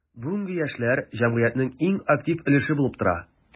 Бүгенге яшьләр – җәмгыятьнең иң актив өлеше булып тора.